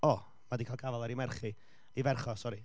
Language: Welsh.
O, ma' 'di gael gafal ar ei merch hi. Ei ferch o sori.